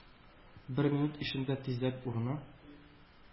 Бер минут эчендә тизәк урыны,